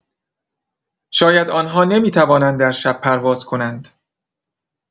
شاید آن‌ها نمی‌توانند در شب پرواز کنند.